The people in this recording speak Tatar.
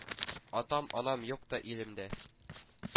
Атам-анам юк та, илемдә,